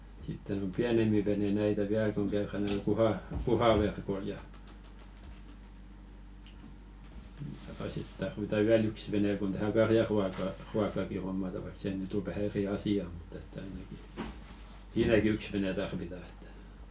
sitten on pienempi vene näitä vielä kun käydään tuolla - kuhaverkoilla ja ja sitten tarvitaan vielä yksi vene kun tähän karjanruoka ruokaakin hommataan vaikka se nyt on vähän eri asia mutta että ainakin siinäkin yksi vene tarvitaan että